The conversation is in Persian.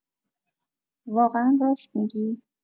واقعا راست می‌گی؟